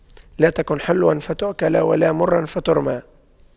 لا تكن حلواً فتؤكل ولا مراً فترمى